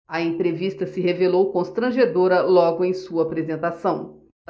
a entrevista se revelou constrangedora logo em sua apresentação